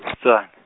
-tswan-.